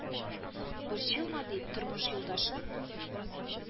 «борчылма, дип, тормыш юлдашым,